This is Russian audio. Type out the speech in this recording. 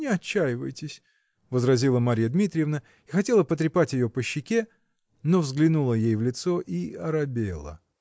Не отчаивайтесь, -- возразила Марья Дмитриевна и хотела потрепать ее по щеке, но взглянула ей в лицо -- и оробела.